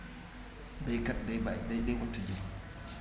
baykat day bày day day ut jiwu